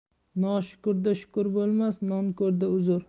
noshukurda shukur bo'lmas nonko'rda uzr